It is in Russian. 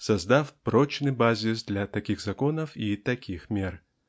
создав прочный базис для таких законов и таких мер" .